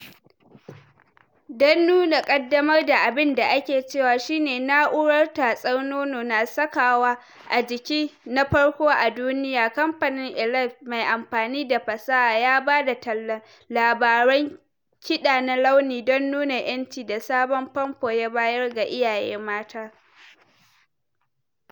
Don nuna kaddamar da abin da ake cewa shi ne "na’urar tatsar nono na sakawa a jiki na farko a duniya," kamfanin Elvie mai amfani da fasaha ya ba da tallan labaran kiɗa na launi don nuna 'yanci da sabon famfo ya bayar ga iyaye mata.